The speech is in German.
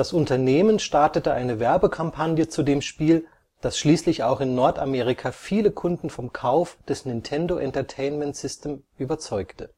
Unternehmen startete eine Werbekampagne zu dem Spiel, das schließlich auch in Nordamerika viele Kunden vom Kauf des NES überzeugte